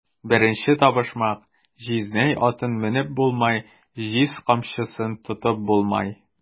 Беренче табышмак: "Җизнәй атын менеп булмай, җиз камчысын тотып булмай!"